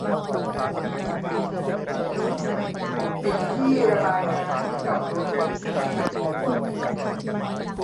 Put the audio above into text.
ปิดที่ระบายน้ำที่จอดรถ